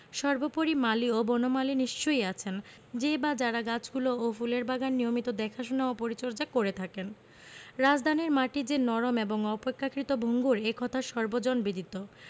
সর্বোপরি মালি ও বনমালী নিশ্চয়ই আছেন যে বা যারা গাছগুলো ও ফুলের বাগান নিয়মিত দেখাশোনা ও পরিচর্যা করে থাকেন রাজধানীর মাটি যে নরম এবং অপেক্ষাকৃত ভঙ্গুর এ কথা সর্বজনবিদিত